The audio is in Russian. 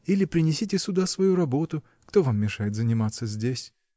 Или принесите сюда свою работу: кто вам мешает заниматься здесь?